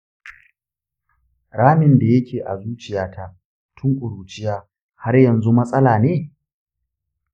ramin da yake a zuciyata tun ƙuruciya har yanzu matsala ne?